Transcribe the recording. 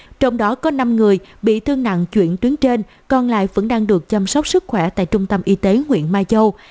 trong đó có người bị thương nặng chuyển tuyến trên còn lại vẫn đang được chăm sóc sức khỏe tại trung tâm y tế huyện mai châu